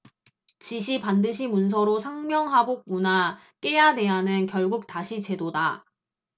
지시 반드시 문서로 상명하복 문화 깨야대안은 결국 다시 제도다